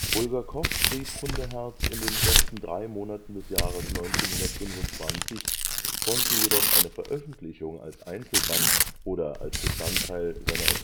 Bulgakow schrieb Hundeherz in den ersten drei Monaten des Jahres 1925, konnte jedoch eine Veröffentlichung als Einzelband oder als Bestandteil seiner